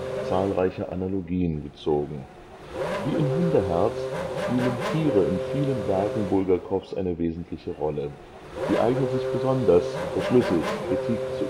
zahlreiche Analogien gezogen. Wie in Hundeherz spielen Tiere in vielen Werken Bulgakows eine wesentliche Rolle. Sie eignen sich besonders, verschlüsselt Kritik